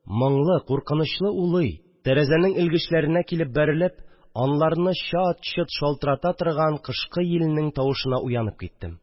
Моңлы, куркынычлы улый, тәрәзәнең элгечләренә килеп бәрелеп, аларны чат-чот шалтырата торган кышкы йилнең тавышына уянып киттем